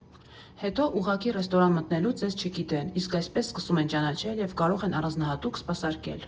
Հետո, ուղղակի ռեստորան մտնելուց ձեզ չգիտեն, իսկ այսպես սկսում են ճանաչել և կարող են առանձնահատուկ սպասարկել։